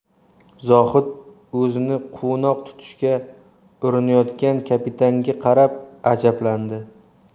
zohid o'zini quvnoq tutishga urinayotgan kapitanga qarab ajablandi